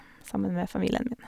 Sammen med familien min.